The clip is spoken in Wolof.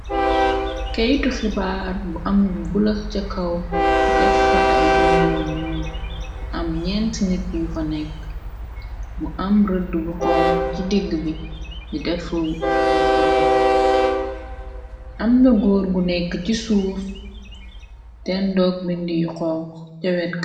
Keytu xibaar bu am lu bula ca kaw defa ay bind yu ñuul, am ñenti nit yu fa nekk, mu am rëdd bu xonxu ci digg bi, ni defa bind bu weex, am na góor gu nekk ci suuf dendook bind yu xonxu ca wetga.